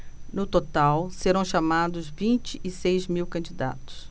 no total serão chamados vinte e seis mil candidatos